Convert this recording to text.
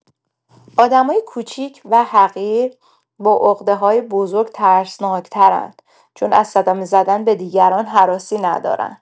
آدم‌های کوچک و حقیر با عقده‌های بزرگ ترسناک‌ترند، چون از صدمه زدن به دیگران هراسی ندارند!